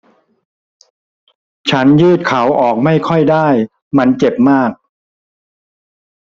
ฉันยืดเข่าออกไม่ค่อยได้มันเจ็บมาก